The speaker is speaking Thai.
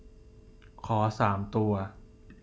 ขอสามตัว